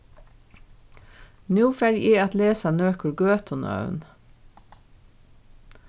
nú fari eg at lesa nøkur gøtunøvn